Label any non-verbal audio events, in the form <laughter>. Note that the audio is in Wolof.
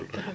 <hesitation> <hesitation>